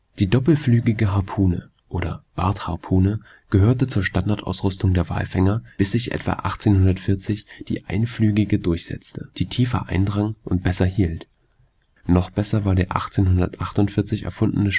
Die doppelflügige Harpune oder Bartharpune gehörte zur Standardausrüstung der Walfänger, bis sich etwa 1840 die einflügige durchsetzte, die tiefer eindrang und besser hielt. Noch besser war der ab 1848 erfundene